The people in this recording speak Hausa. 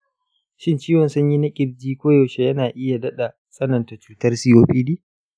shin ciwon sanyi na ƙirji koyaushe yana iya daɗa tsananta cutar copd?